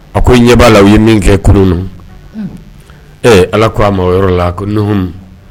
A ko ɲɛ b' la u ye min kɛ kununurun na ee ala k ko a ma o yɔrɔ la ko